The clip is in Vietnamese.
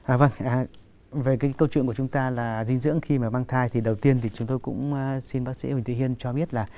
à vâng à về cái câu chuyện của chúng ta là dinh dưỡng khi mà mang thai thì đầu tiên thì chúng tôi cũng xin bác sĩ huỳnh thị hiên cho biết là